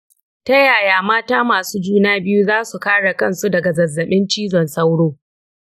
ta yaya mata masu juna biyu za su kare kansu daga zazzaɓin cizon sauro